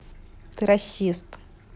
ты расист